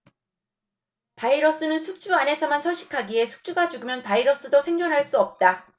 바이러스는 숙주 안에서만 서식하기에 숙주가 죽으면 바이러스도 생존할 수 없다